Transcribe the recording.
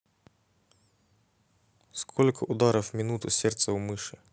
сколько ударов в минуту сердца у мыши